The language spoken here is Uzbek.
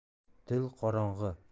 dil qorong'i